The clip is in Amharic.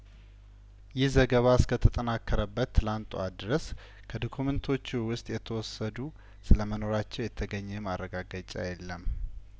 ይህ ዘገባ እስከተጠናከረ በት ትናንት ጧት ድረስ ከዶክመንቶቹ ውስጥ የተወሰዱ ስለመኖራቸው የተገኘ ማረጋገጫ የለም